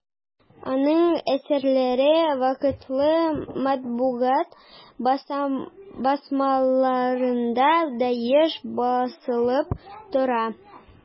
Аның әсәрләре вакытлы матбугат басмаларында да еш басылып тора.